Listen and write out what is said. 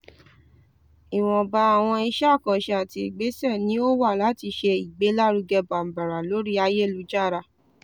Ìwọ̀nba àwọn iṣẹ́ àkànṣe àti ìgbésẹ̀ ni ó wà láti ṣe ìgbélárugẹ Bambara lórí ayélujára.